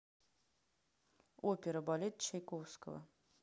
опера балет чайковского